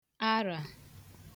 arà